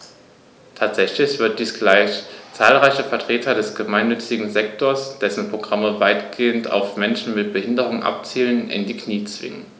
Tatsächlich wird dies gleich zahlreiche Vertreter des gemeinnützigen Sektors - dessen Programme weitgehend auf Menschen mit Behinderung abzielen - in die Knie zwingen.